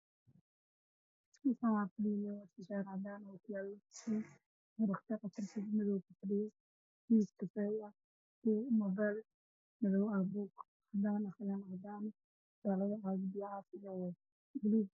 Waa nin shaati cad qabo oo ku fadhiyo kursi madow oo miis horyaalo